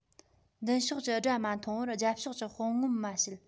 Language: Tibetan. མདུན ཕྱོགས ཀྱི དགྲ མ མཐོང བར རྒྱབ ཕྱོགས ཀྱི དཔུང ངོམ མ བྱེད